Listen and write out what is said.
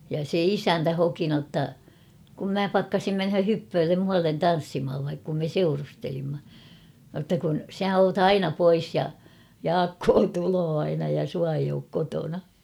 ja se isäntä hoki jotta kun minä pakkasin mennä hyppöölle muualle tanssimaan - kun me seurustelimme jotta kun sinä olet aina pois ja Jaakko tulee aina ja sinua ei ole kotona